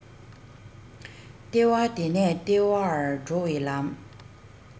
ལྟེ བ དེ ནས ལྟེ བར འགྲོ བའི ལམ